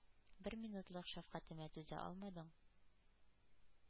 Бер минутлык шәфкатемә түзә алмадың;